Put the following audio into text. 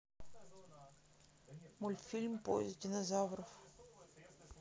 мультфильм поезд динозавров